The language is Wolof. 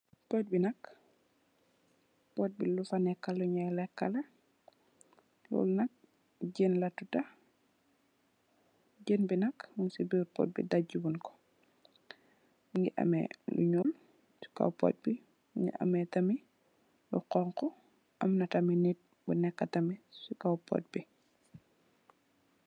Pott be nak pott be lufa neka lanu leka la lol nak jeen la tuda jeen be nak mugse birr pott be dagewunku muge ameh lu nuul se kaw pott be muge ameh tamin lu xonxo amna tamin neet bu neka tamin se kaw pott be.